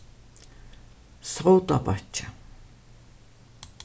sótabakki